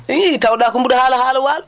i tawɗaa ko mbaɗa haala haala waalo